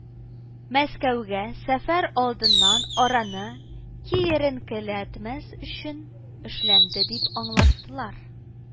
Мәскәүгә сәфәр алдыннан араны киеренкеләтмәс өчен эшләнде дип аңлаттылар